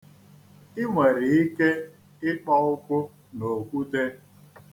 I nwere ike ịkpọ ụkwụ n'okwute.